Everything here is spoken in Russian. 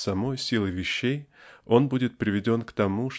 самою силою вещей он будет приведен к тому